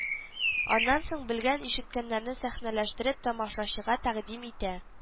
Аннан соң белгән-ишеткәннәрен сәхнәләштереп тамашачыга тәгъдим итә